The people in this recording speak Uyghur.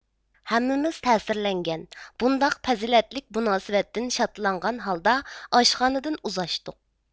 ھەممىمىز تەسىرلەنگەن بۇنداق پەزىلەتلىك مۇناسىۋەتتىن شادلانغان ھالدا ئاشخانىدىن ئۇزاشتۇق